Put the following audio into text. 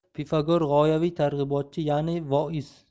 pifagor g'oyaviy targ'ibotchi ya'ni voiz